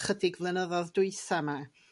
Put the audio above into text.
'chydig flynyddo'dd dwytha 'ma